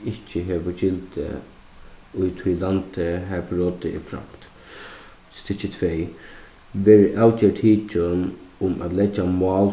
ikki hevur gildi í tí landið har brotið er framt stykki tvey verður avgerð tikin um at leggja mál